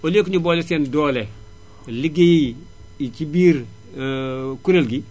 au lieu que ñu boole seen doole liggéeyi ci biir kuréel gi